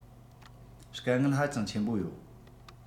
དཀའ ངལ ཧ ཅང ཆེན པོ ཡོད